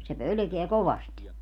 se pelkää kovasti